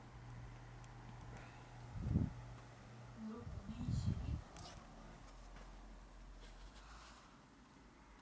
группа нэнси и плакала